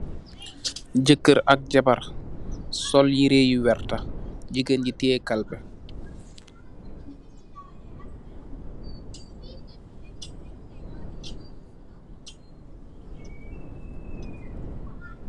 Jeukeur ak jabar, sol yireuh yu werta, jigain ji tiyaih kalpeh.